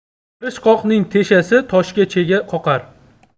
tirishqoqning teshasi toshga chega qoqar